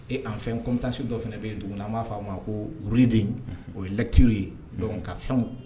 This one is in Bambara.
E an fɛn comtasi dɔ fana bɛ yen tuguni n na an b'a f' a ma kour de o yelɛti ye ka fɛn